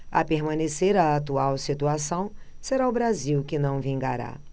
a permanecer a atual situação será o brasil que não vingará